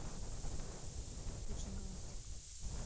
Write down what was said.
virgin galactic